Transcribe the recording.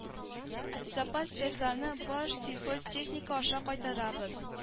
Запас частьларны башсельхозтехника аша кайтарабыз